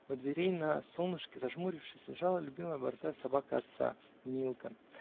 У дверей, на солнышке, зажмурившись, лежала любимая борзая собака отца -- Милка.